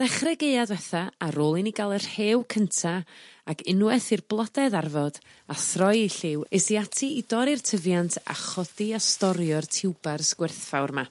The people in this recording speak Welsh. Ddechreu Gaea ddwetha ar ôl i ni ga'l y rhew cynta ac unwaith i'r blode ddarfod a throi 'u lliw es i ati i dorri'r tyfiant a chodi a storio'r tiwbars gwrthfawr 'ma.